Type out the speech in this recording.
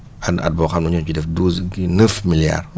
am na at boo xam ne ñoo ci def douze kii neuf milliards